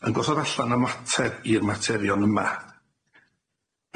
yn gosod allan ymateb i'r materion yma.